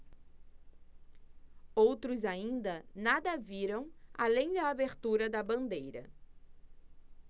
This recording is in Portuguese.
outros ainda nada viram além da abertura da bandeira